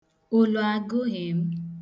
Olu agụghị m.